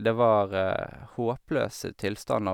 Det var håpløse tilstander.